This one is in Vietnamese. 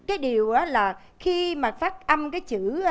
cái điều là khi mà phát âm các chữ